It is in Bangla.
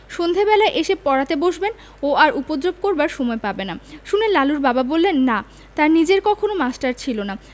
সন্ধ্যেবেলায় এসে পড়াতে বসবেন ও আর উপদ্রব করবার সময় পাবে না শুনে লালুর বাবা বললেন না তাঁর নিজের কখনো মাস্টার ছিল না